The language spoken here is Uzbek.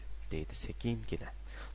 deydi sekingina